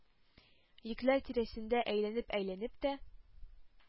Йөкләр тирәсендә әйләнеп-әйләнеп тә